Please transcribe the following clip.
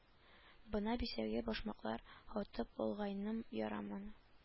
Бына бисәгә башмактар һатып алгайнем яраманы